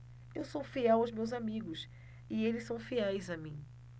eu sou fiel aos meus amigos e eles são fiéis a mim